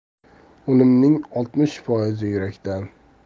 o'limning oltmish foizi yurakdan